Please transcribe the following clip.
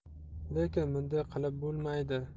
lekin bunday qilib bo'lmaydi